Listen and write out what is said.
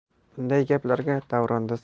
bunday gaplarga davronda